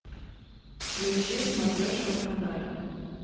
включи смотрешка в канале